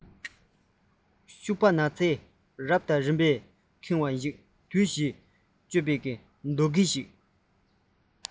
ཤུག པ ནགས ཚལ རབ དང རིམ པས ཁེངས པ ཞིག དུས བཞི གཅོད པའི རྡོ སྐས བཞིན